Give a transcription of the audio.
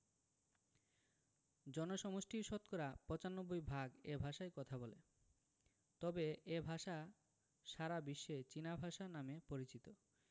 জনসমষ্টির শতকরা ৯৫ ভাগ এ ভাষায় কথা বলে তবে এ ভাষা সারা বিশ্বে চীনা ভাষা নামে পরিচিত